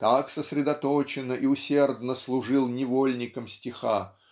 так сосредоточенно и усердно служил невольником стиха